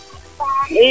i